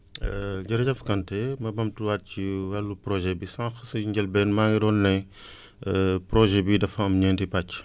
jërëjëf Kanté ma bamtuwaat ci wàllub projet bi sànq si njëlbéen maa ngi doon ne projet bii dafa am ñeenti pàcc